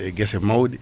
e guesse mawɗe